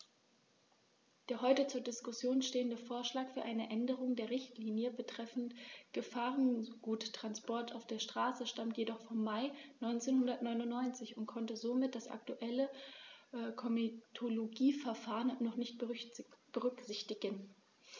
Der heute zur Diskussion stehende Vorschlag für eine Änderung der Richtlinie betreffend Gefahrguttransporte auf der Straße stammt jedoch vom Mai 1999 und konnte somit das aktuelle Komitologieverfahren noch nicht berücksichtigen.